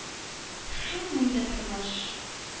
Шулмы инде тормыш!